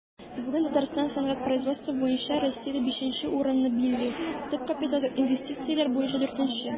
Бүген Татарстан сәнәгать производствосы буенча Россиядә 5 нче урынны били, төп капиталга инвестицияләр буенча 4 нче.